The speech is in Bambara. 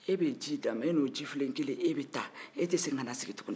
e bɛ ji d'a m'a e n'o jifilen kelen bɛ segin e n'o tɛna tuguni